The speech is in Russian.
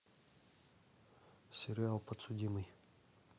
сериал подсудимый